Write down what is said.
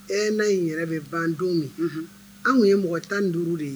E n'a in yɛrɛ bɛ bandenw min anw ye mɔgɔ tan duuru de ye